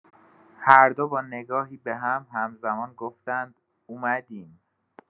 هردو با نگاهی به هم همزمان گفتند: اومدیم.